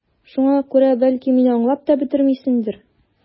Шуңа күрә, бәлки, мине аңлап та бетермисеңдер...